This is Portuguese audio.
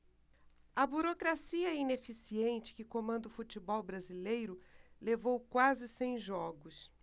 a burocracia ineficiente que comanda o futebol brasileiro levou quase cem jogos